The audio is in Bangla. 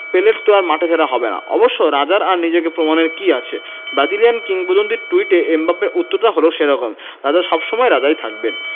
পেলের তো আর মাঠে ফেরা হবে না অবশ্য রাজার আর নিজেকে প্রমাণের কী আছে ব্রাজিলিয়ান কিংবদন্তির টুইটে এমবাপ্পের উত্তরটাও হলো সে রকম রাজা সব সময় রাজাই থাকবেন